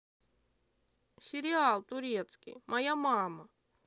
сериал турецкий моя мама